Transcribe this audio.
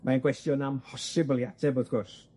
Mae'n gwestiwn amhosibl i ateb, wrth gwrs.